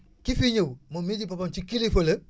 ki fi ñëw moom mii di ci boppam ci kilifa la